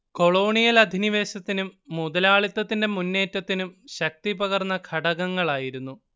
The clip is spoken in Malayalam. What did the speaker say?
കൊളോണിയൽ അധിനിവേശത്തിനും മുതലാളിത്തത്തിന്റെ മുന്നേറ്റത്തിനും ശക്തി പകർന്ന ഘടകങ്ങളായിരുന്നു